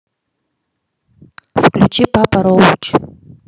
включи папа роуч